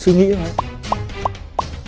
suy nghĩ